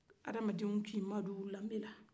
hadamadenw ka u madon dambe la